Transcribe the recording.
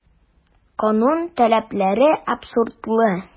Канун таләпләре абсурдлы.